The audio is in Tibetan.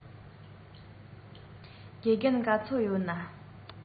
དགེ རྒན ག ཚོད ཡོད ན